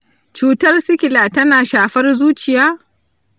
cutar sikila tana shafar zuciya?